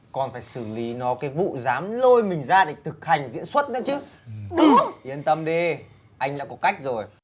còn phải xử lý nó cái vụ dám lôi mình ra để thực hành diễn xuất nữa chứ yên tâm đi anh đã có cách rồi